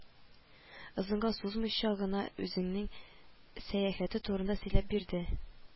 Озынга сузмыйча гына, үзенең сәяхәте турында сөйләп бирде